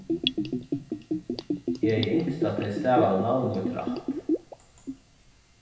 eg hevði ynskt at tey stavaðu navn mítt rætt